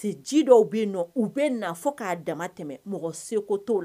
Que ji dɔw bɛ yen nɔ u bɛ na fɔ k'a dama tɛmɛ mɔgɔ se' la